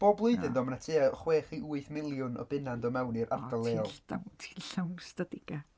Bob blwyddyn... o ia. ...though ma' 'na tua chwech i wyth miliwn o bunnau yn dod mewn i'r ardal leol... o ti'n llawn ti'n llawn ystadegau!